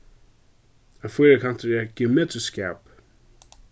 ein fýrakantur er eitt geometriskt skap